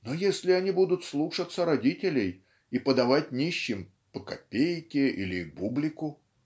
Но если они будут слушаться родителей и подавать нищим по копейке или бублику